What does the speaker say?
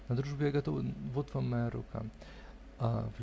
На дружбу я готова, вот вам рука моя.